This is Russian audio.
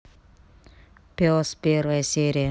пес первая серия